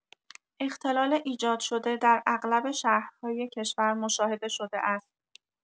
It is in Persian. اختلال ایجادشده در اغلب شهرهای کشور مشاهده‌شده است.